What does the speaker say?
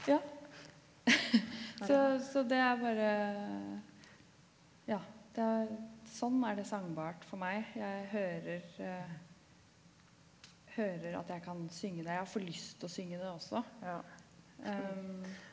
ja så så det er bare ja det er sånn er det sangbart for meg jeg hører hører at jeg kan synge det jeg får lyst å synge det også .